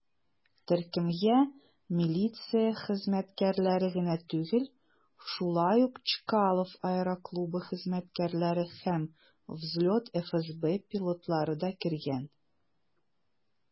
Төркемгә милиция хезмәткәрләре генә түгел, шулай ук Чкалов аэроклубы хезмәткәрләре һәм "Взлет" ФСБ пилотлары да кергән.